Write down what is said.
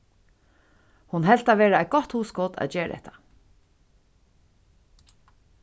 hon helt tað vera eitt gott hugskot at gera hetta